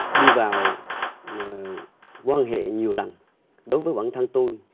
đi vào mà quan hệ nhiều lần đối với bản thân tôi